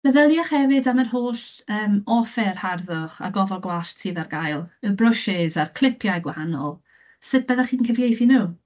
Meddyliwch hefyd am yr holl, yym, offer harddwch a gofal gwallt sydd ar gael - y brwsys a'r clipiau gwahanol. Sut byddech chi'n cyfieithu nhw?